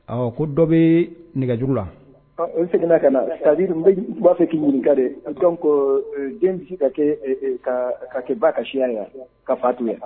Ɔ ko dɔ bɛ nɛgɛ jugu la o seginna ka nari b'a fɛ k'i ɲininka ka de ko den bɛ se ka ka kɛ ba ka siya yan ka fa tun yan